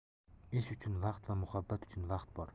ish uchun vaqt va muhabbat uchun vaqt bor